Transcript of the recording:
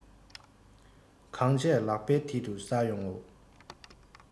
གང བྱས ལག པའི མཐིལ དུ གསལ ཡོང ངོ